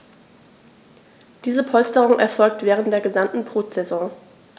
Diese Polsterung erfolgt während der gesamten Brutsaison.